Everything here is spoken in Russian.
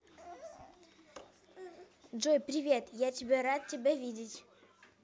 джой привет я тебе рад тебя видеть